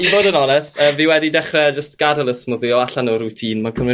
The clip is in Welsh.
i fod yn onest fi wedi dechre jyst gadael y swmddio allan o routine ma'n cymryd